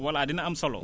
voilà dina am solo